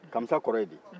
kamisa kɔrɔ ye di